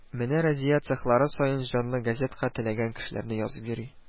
Менә Разия цехлар саен җанлы газетка теләгән кешеләрне язып йөри